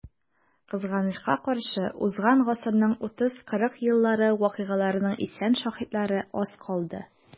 Кызганычка каршы, узган гасырның 30-40 еллары вакыйгаларының исән шаһитлары аз калды.